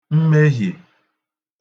mmehie